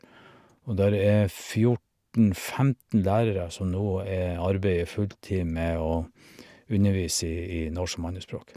Og der er fjorten femten lærere som nå e arbeider fulltid med å undervise i i norsk som andrespråk.